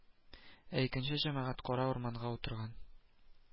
Ә икенче җәмәгать кара урманга утырган